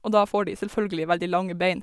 Og da får de selvfølgelig veldig lange bein.